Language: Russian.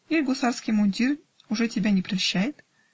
Иль гусарский мундир уже тебя не прельщает!.